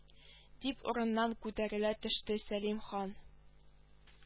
Дип урыныннан күтәрелә төште сәлим хан